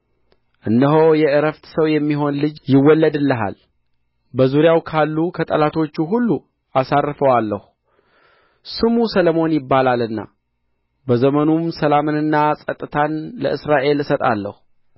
እነሆ የዕረፍት ሰው የሚሆን ልጅ ይወለድልሃል በዙሪያው ካሉ ከጠላቶቹ ሁሉ አሳርፈዋለሁ ስሙ ሰሎሞን ይባላልና በዘመኑም ሰላምንና ጸጥታን ለእስራኤል እሰጣለሁ